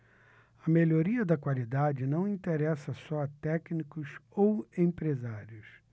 a melhoria da qualidade não interessa só a técnicos ou empresários